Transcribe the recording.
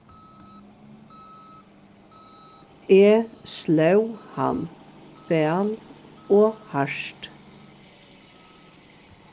eg sló hann væl og hart